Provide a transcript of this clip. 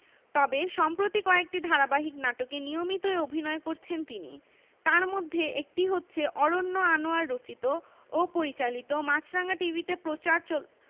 তবে সম্প্রতি কয়েকটি ধারাবাহিক নাটকে নিয়মিতই অভিনয় করছেন তিনি তার মধ্যে একটি হচ্ছে অরন্য আনোয়ার রচিত ও পরিচালিত মাছরাঙা টিভিতে প্রচার